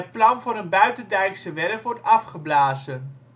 plan voor een buitendijkse werf wordt afgeblazen